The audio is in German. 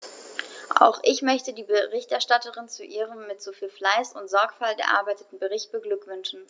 Auch ich möchte die Berichterstatterin zu ihrem mit so viel Fleiß und Sorgfalt erarbeiteten Bericht beglückwünschen.